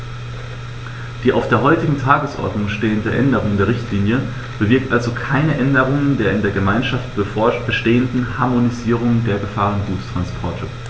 Die auf der heutigen Tagesordnung stehende Änderung der Richtlinie bewirkt also keine Änderung der in der Gemeinschaft bestehenden Harmonisierung der Gefahrguttransporte.